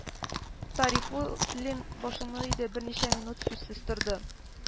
Тарифуллин башыңны иде һәм берничә минут сүзсез торды